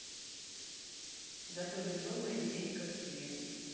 готовим дома индейка в пиве